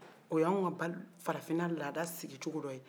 o y'anw ka farafina lada sigicogo dɔ ye